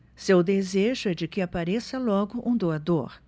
seu desejo é de que apareça logo um doador